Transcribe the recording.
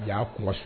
U y'a kungo so